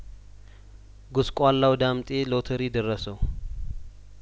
ጐስቋላው ዳምጤ ሎተሪ ደረሰው